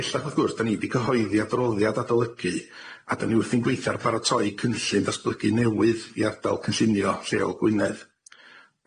Bellach wrth gwrs 'da ni di cyhoeddi adroddiad adolygu a 'da ni wrthi'n gweithio ar baratoi cynllun datblygu newydd i ardal cynllunio lleol Gwynedd.